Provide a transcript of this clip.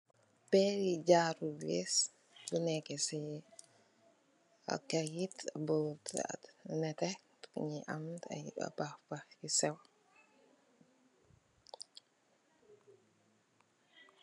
Pèri jaru wiss yuneka si parket yi nette mugi am papa nu siw.